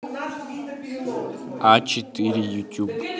а четыре ютюб